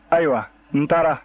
ayiwa n taara